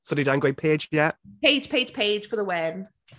So ni'n dau yn gweud Paige, ie? .... Paige, Paige, Paige for the win!